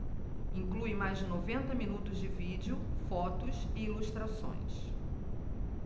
inclui mais de noventa minutos de vídeo fotos e ilustrações